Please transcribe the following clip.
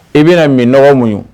I bɛ na minɔgɔ muɲun.